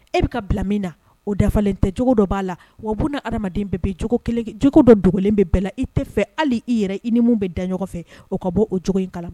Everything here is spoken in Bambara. E bɛ ka bila min na o dafalen tɛ cogo dɔ b'a la wabuuna hadamaden bɛɛ bɛ cogo cogo dɔ dogolen bɛ bɛɛ la i tɛ fɛ hali i yɛrɛ i ni min bɛ da ɲɔgɔn fɛ o ka bɔ o cogo in kala